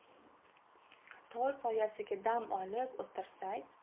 tol soyasida dam olib o'tirsak